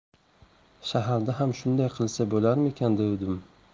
shaharda ham shunday qilsa bo'larmikin devdim